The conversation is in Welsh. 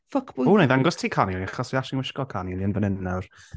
Fuckboy... Ww, wna i dangos ti carnelian achos fi achsyli'n gwisgo carnelian fan hyn nawr.